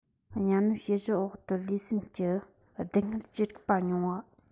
གཉའ གནོན བཤུ གཞོག འོག ཏུ ལུས སེམས ཀྱི སྡུག བསྔལ ཅི རིགས པ མྱོང བ